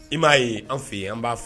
I m'a ye an f fɛ ye an b'a fɔ